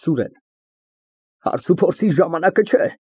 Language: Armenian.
ՍՈՒՐԵՆ ֊ Հարցուփորձի ժամանակ չէ։